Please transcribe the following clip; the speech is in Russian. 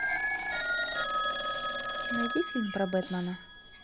найди фильм про бэтмена